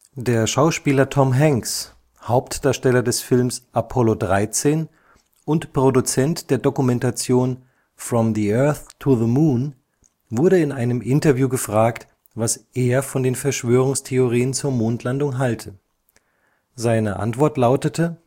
Der Schauspieler Tom Hanks, Hauptdarsteller des Films Apollo 13 und Produzent der Dokumentation From the Earth to the Moon, wurde in einem Interview gefragt, was er von den Verschwörungstheorien zur Mondlandung halte. Seine Antwort lautete